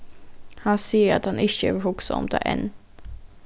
hann sigur at hann ikki hevur hugsað um tað enn